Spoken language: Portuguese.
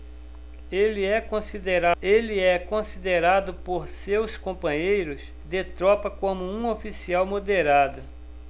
ele é considerado por seus companheiros de tropa como um oficial moderado